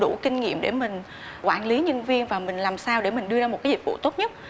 đủ kinh nghiệm để mình quản lý nhân viên và mình làm sao để mình đưa ra một cái dịch vụ tốt nhất